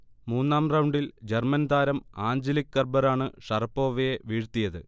മൂന്നാം റൗണ്ടിൽ ജർമൻ താരം ആഞ്ചലിക് കെർബറാണ് ഷറപ്പോവയെ വീഴ്ത്തിയത്